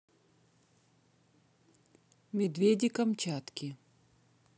медведи камчатки